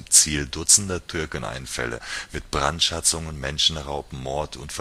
Ziel dutzender Türkeneinfälle mit Brandschatzungen, Menschenraub, Mord und